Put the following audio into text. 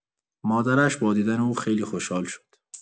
مادرش با دیدن او خیلی خوشحال شد.